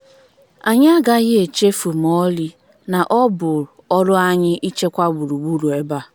Anyị agaghị echefu ma ọlị na ọ bụ ọrụ anyị ichekwa gburugburu ebe a.